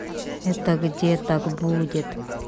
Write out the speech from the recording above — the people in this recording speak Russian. это где так будет